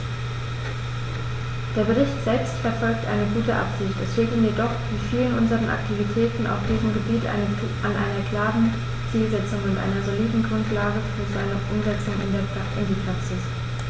Der Bericht selbst verfolgt eine gute Absicht, es fehlt ihm jedoch wie vielen unserer Aktivitäten auf diesem Gebiet an einer klaren Zielsetzung und einer soliden Grundlage für seine Umsetzung in die Praxis.